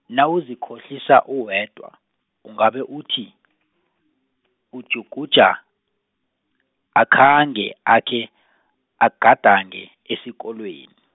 nawuzikhohlisa uwedwa, ungabe uthi, uJuguja, akhange akhe, agadange, esikolweni.